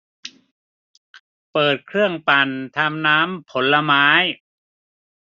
เปิดเครื่องปั่นทำน้ำผลไม้